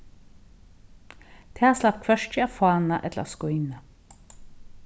tað slapp hvørki at fána ella at skína